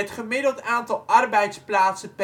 gemiddelde aantal arbeidsplaatsen